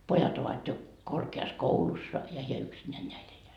pojat ovat jo korkeakoulussa ja hän yksinään näin elää